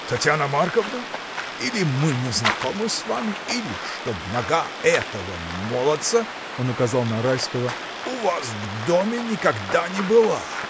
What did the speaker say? Татьяна Марковна, или мы не знакомы с вами, или чтоб нога этого молодца (он указал на Райского) у вас в доме никогда не была!